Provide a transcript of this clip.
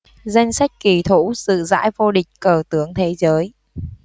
danh sách kỳ thủ dự giải vô địch cờ tướng thế giới